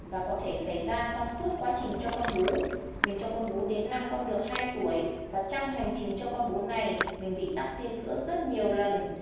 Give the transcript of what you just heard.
và có thể xảy ra trong suốt quá trình cho con bú mình cho con bú đến năm con được tuổi và trong hành trình cho con bú này mình bị tắc tia sữa rất nhiều lần